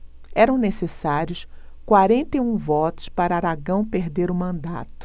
eram necessários quarenta e um votos para aragão perder o mandato